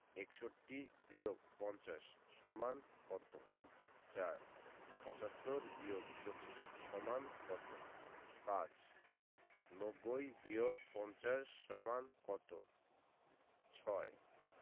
৬১-৫০ = কত ৪ ৭৫-২৫ = কত ৫ ৯০-৫০ = কত ৬